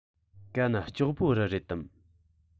གན ལྕོགས པོ རི རེད དམ